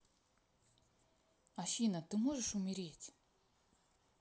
афина ты можешь умереть